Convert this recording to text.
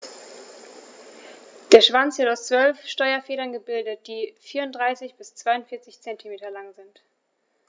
Der Schwanz wird aus 12 Steuerfedern gebildet, die 34 bis 42 cm lang sind.